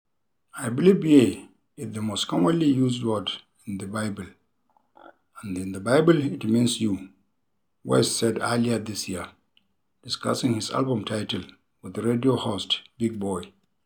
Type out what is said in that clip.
"I believe 'ye' is the most commonly used word in the Bible, and in the Bible it means 'you,'" West said earlier this year, discussing his album title with radio host Big Boy.